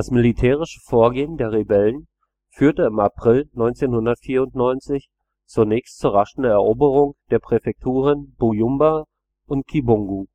militärische Vorgehen der Rebellen führte im April 1994 zunächst zur raschen Eroberung der Präfekturen Byumba und Kibungo